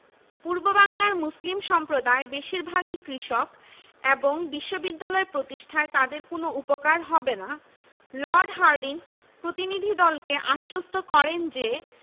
পূর্ববাংলার মুসলিম সম্প্রদায় বেশির ভাগই কৃষক এবং বিশ্ববিদ্যালয় প্রতিষ্ঠায় তাদের কোনো উপকার হবে না লর্ড হার্ডিঞ্জ প্রতিনিধিদলকে আশ্বস্ত করেন যে